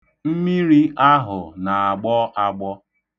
Mmiri ahụ na-agbọ (agbọ).